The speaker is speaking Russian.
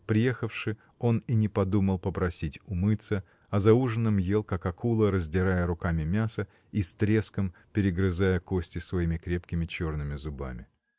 приехавши, он и не подумал попросить умыться, а за ужином ел, как акула, раздирая руками мясо и с треском перегрызая кости своими крепкими черными зубами.